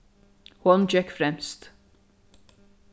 hon gekk fremst